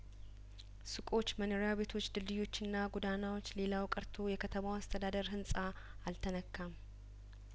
ሱቆች መኖሪያ ቤቶች ድልድዮችና ጐዳናዎች ሌላው ቀርቶ የከተማዋ አስተዳደር ህንጻ አልተነካም